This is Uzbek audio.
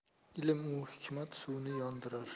ilm u hikmat suvni yondirar